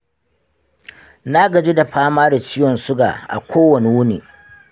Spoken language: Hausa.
na gaji da fama da ciwon suga a kowane wuni.